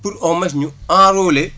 pour au moins ñu enrôler